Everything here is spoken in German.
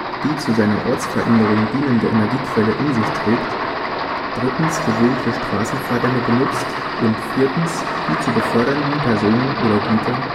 die zu seiner Ortsveränderung dienende Energiequelle in sich trägt, 3. gewöhnliche Strassenfahrdämme benutzt, und 4. die zu befördernden Personen oder Güter